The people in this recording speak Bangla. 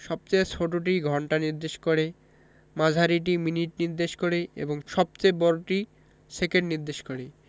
সবচেয়ে ছোটটি ঘন্টা নির্দেশ করে মাঝারিটি মিনিট নির্দেশ করে এবং সবচেয়ে বড়টি সেকেন্ড নির্দেশ করে